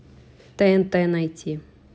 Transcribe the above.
тнт найти